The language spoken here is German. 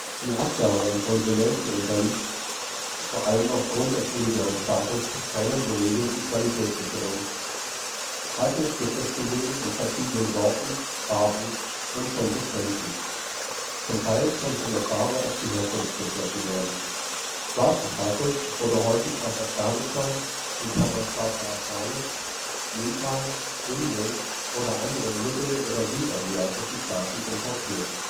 Die Abgabe an Konsumenten unterliegt, vor allem aufgrund des illegalen Status, keiner geregelten Qualitätssicherung. Haschisch gibt es zudem in verschiedensten Sorten, Farben und Konsistenzen. Zum Teil kann von der Farbe auf die Herkunft geschlossen werden. Schwarzes Haschisch wurde häufig aus Afghanistan („ Schwarzer Afghane “), Nepal, Indien oder anderen mittel - und südasiatischen Staaten importiert